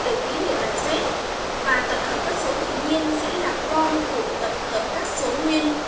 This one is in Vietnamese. được kí hiệu là xếp và tập hợp các số tự nhiên sẽ gặp con của tập hợp các số nguyên